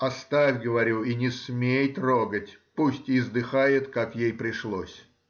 — Оставь,— говорю,— и не смей трогать: пусть издыхает, как ей пришлось.